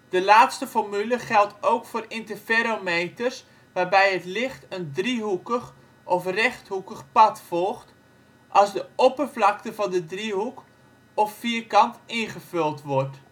De laatste formule geldt ook voor interferometers waarbij het licht een driehoekig of rechthoekig pad volgt, als de oppervlakte van de driehoek of vierkant ingevuld wordt